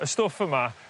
y stwff yma